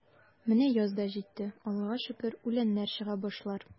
Менә яз да житте, Аллага шөкер, үләннәр чыга башлар.